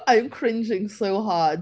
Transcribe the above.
I'm cringing so hard...